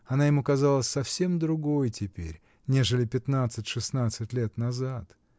Она ему казалась совсем другой теперь, нежели пятнадцать, шестнадцать лет назад.